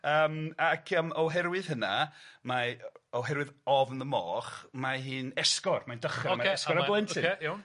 Yym ac yym oherwydd hynna mae oherwydd ofn y moch, mae hi'n esgor, mae'n dychryn, ma'... Ocê esgor y blentyn. Oce iawn.